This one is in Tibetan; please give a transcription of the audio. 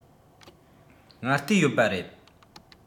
སྔ ལྟས ཡོད པ རེད